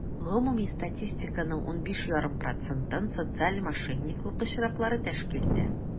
Гомуми статистиканың 18,5 процентын социаль мошенниклык очраклары тәшкил итә.